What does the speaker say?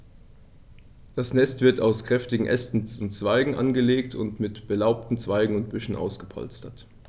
Das Nest wird aus kräftigen Ästen und Zweigen angelegt und mit belaubten Zweigen und Büscheln ausgepolstert.